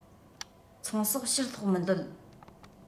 ཚོང ཟོག ཕྱིར སློག མི འདོད